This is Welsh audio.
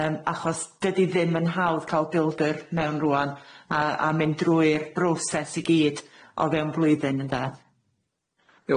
Yym achos dydi ddim yn hawdd ca'l bildyr mewn rŵan a a mynd drwy'r broses i gyd o fewn flwyddyn ynde?